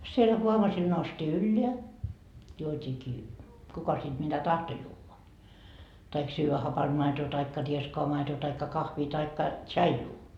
siellä huovasilla noustiin ylös juotiinkin kuka sitten mitä tahtoi juoda tai syödä hapanta maitoa tai rieskaa maitoa tai kahvia tai tsaijua